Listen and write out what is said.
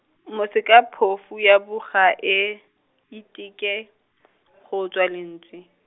Mosekaphofu yabo ga a, iteke , go swa lentswe.